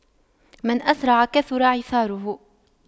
من أسرع كثر عثاره